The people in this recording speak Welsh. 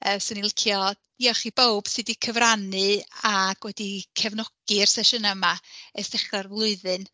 Yy 'swn i'n licio diolch i bawb sy' 'di cyfrannu ac wedi cefnogi'r sesiynau 'ma ers dechrau'r flwyddyn.